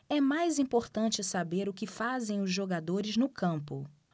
é mais importante saber o que fazem os jogadores no campo